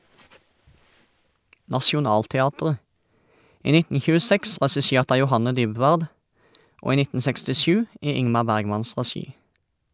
Nationaltheatret, i 1926 regissert av Johanne Dybwad og i 1967 i Ingmar Bergmans regi.